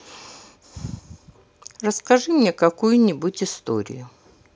расскажи мне какую нибудь историю